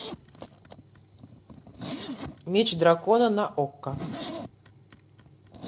меч дракона на окко